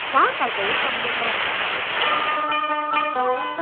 sáu tài tử trong đêm nay